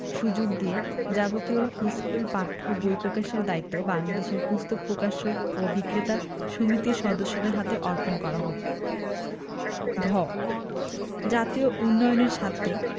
সুযোগ দিয়ে যাবতীয় স্কুল পাঠ্য বই প্রকাশের দায়িত্ব বাংলাদেশ পুস্তক প্রকাশক ও বিক্রেতা সমিতির সদস্যদের হাতে অর্পণ করা হোক ঠ জাতীয় উন্নয়নের স্বার্থে